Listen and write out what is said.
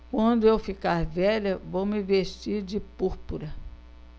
quando eu ficar velha vou me vestir de púrpura